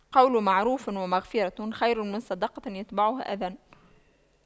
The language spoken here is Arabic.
قَولٌ مَّعرُوفٌ وَمَغفِرَةُ خَيرٌ مِّن صَدَقَةٍ يَتبَعُهَا أَذًى